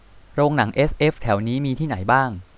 โรงหนังเอสเอฟแถวนี้มีที่ไหนบ้าง